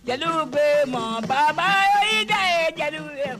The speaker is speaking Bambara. Jeliw bɛ mɔgɔ bama ye i ja ye jeliw ye